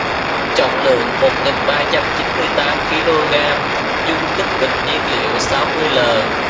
trọng lượng một nghìn ba trăm chín mươi tám ki lô gam dung tích bình nhiên liệu sáu mươi l